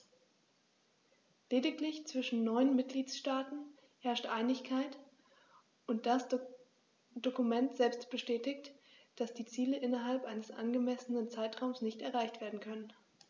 Lediglich zwischen neun Mitgliedsstaaten herrscht Einigkeit, und das Dokument selbst bestätigt, dass die Ziele innerhalb eines angemessenen Zeitraums nicht erreicht werden können.